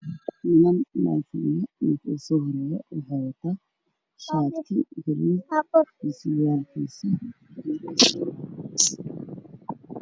Waa niman meel fadhiyaan wataan shaatiyaal cadaan fitasheeri haddaan